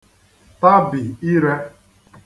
tabì irē